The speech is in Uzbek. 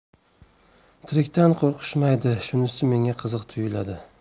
tirikdan qo'rqishmaydi shunisi menga qiziq tuyuladi